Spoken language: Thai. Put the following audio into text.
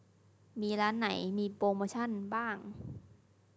มีร้านไหนมีโปรโมชันบ้าง